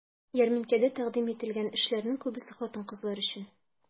Ярминкәдә тәкъдим ителгән эшләрнең күбесе хатын-кызлар өчен.